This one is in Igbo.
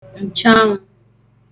ǹcheanwụ